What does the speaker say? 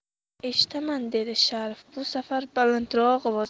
eshitaman dedi sharif bu safar balandroq ovozda